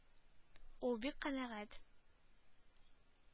Ул бик канәгать.